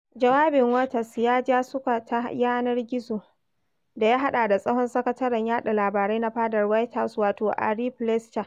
Jawabin Waters ya ja suka ta yanar gizo, da ya haɗa da tsohon sakataren yaɗa labarai na fadar White House wato Ari Fleischer.